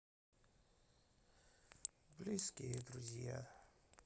близкие друзья